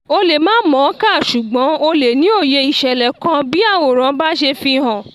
O lè má mọ̀ọ́ kà ṣùgbọ́n o lè ní òye ìṣẹ̀lẹ̀ kan bí àwòrán bá ṣe fihàn.